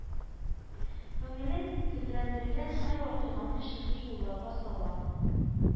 Күңелен тетрәндергән һәр вакыйганы шигъри юлларга сала